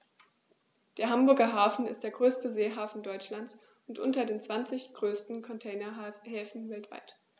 Der Hamburger Hafen ist der größte Seehafen Deutschlands und unter den zwanzig größten Containerhäfen weltweit.